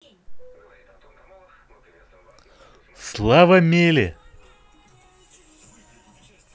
слава мели